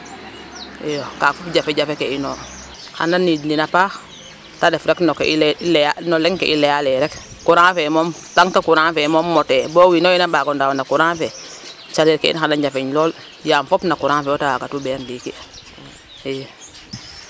I kaaga fop jafe jafe ke ino xan a niidnin a paax ta ref rek no ke i laya no leŋ ke i layaa lay rek courant fe moom tank courant fe moom mote bo wiin o wiin a mbaag o ndaaw no courant fe calel ke in xay ta njafeñ lool yaam fop no courant fe yo ta waagatu ɓeer ndiiki ii.